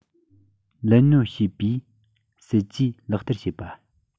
བླུ ཉོ བྱེད པའི སྲིད ཇུས ལག བསྟར བྱས པ